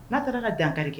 Na taara ka dankari kɛ.